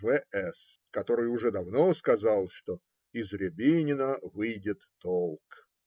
В. С. , который уже давно сказал, что "из Рябинина выйдет толк".